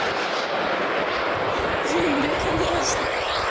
люблю конечно